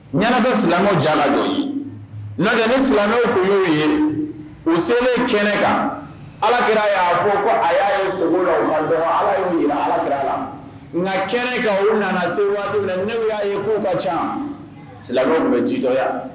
Ɲɛnajɛana silamɛ jala ye na silamɛ tun' ye u selen kɛnɛ kan alakira y'a fɔ a y'a' segu la ala jira alaki a la nka kɛnɛ kan u nana segu waati ne y'a ye' ka ca silamɛw tun bɛ jijɔya